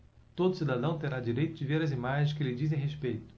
todo cidadão terá direito de ver as imagens que lhe dizem respeito